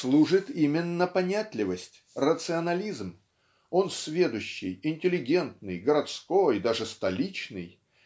служит именно понятливость рационализм он -- сведущий интеллигентный городской даже столичный